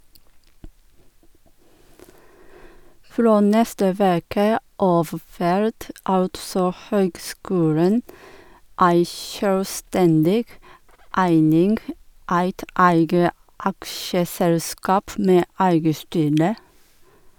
Frå neste veke av vert altså høgskulen ei sjølvstendig eining, eit eige aksjeselskap med eige styre.